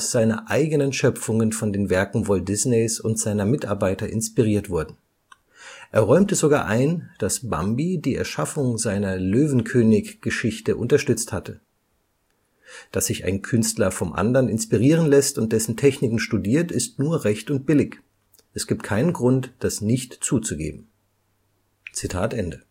seine eigenen Schöpfungen von den Werken Walt Disneys und seiner Mitarbeiter inspiriert wurden. Er räumte sogar ein, dass Bambi die Erschaffung seiner Löwenkönig-Geschichte unterstützt hatte. Dass sich ein Künstler vom anderen inspirieren lässt und dessen Techniken studiert, ist nur recht und billig. Es gibt keinen Grund, das nicht zuzugeben. “– Robin